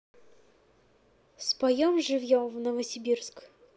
споем живьем в новосибирск